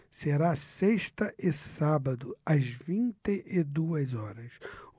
será sexta e sábado às vinte e duas horas